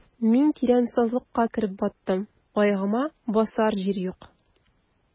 Мин тирән сазлыкка кереп баттым, аягыма басар җир юк.